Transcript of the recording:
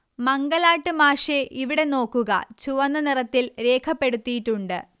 മംഗലാട്ട് മാഷെ ഇവിടെ നോക്കുക ചുവന്ന നിറത്തിൽ രേഖപ്പെടുത്തിയിട്ടുണ്ട്